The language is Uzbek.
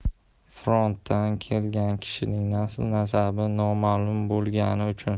frontdan kelgan kishining nasl nasabi noma'lum bo'lgani uchun